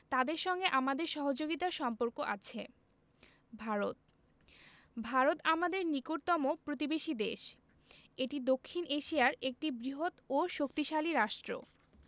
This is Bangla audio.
তাদের সঙ্গে আমাদের সহযোগিতার সম্পর্ক আছে ভারতঃ ভারত আমাদের নিকটতম প্রতিবেশী দেশ এটি দক্ষিন এশিয়ার একটি বৃহৎও শক্তিশালী রাষ্ট্র